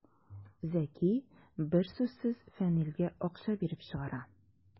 Зәки бер сүзсез Фәнилгә акча биреп чыгара.